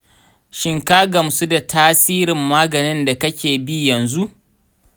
shin ka gamsu da tsarin maganin da kake bi yanzu?